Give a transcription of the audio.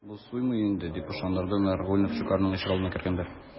Бу суймый инде, - дип ышандырды Нагульнов Щукарьның ишегалдына кергәндә.